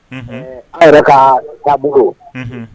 An yɛrɛ ka taabolobugu